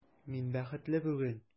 Мин бәхетле бүген!